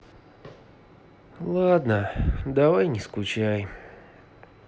ладно давай не скучай